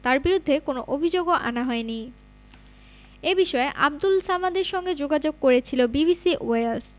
তাঁর বিরুদ্ধে কোনো অভিযোগও আনা হয়নি এ বিষয়ে আবদুল সামাদের সঙ্গে যোগাযোগ করেছিল বিবিসি ওয়েলস